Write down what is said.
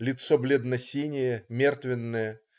Лицо бледно-синее, мертвенное.